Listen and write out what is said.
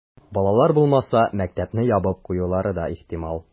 Балалар булмаса, мәктәпне ябып куюлары да ихтимал.